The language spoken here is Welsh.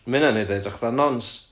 Ma' hynna neud o edrych fatha nonce